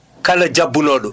kala jabbunooɗo